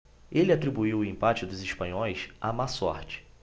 ele atribuiu o empate dos espanhóis à má sorte